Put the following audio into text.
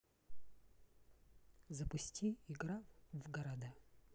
запусти игра в города